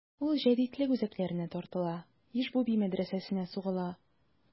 Ул җәдитлек үзәкләренә тартыла: Иж-буби мәдрәсәсенә сугыла.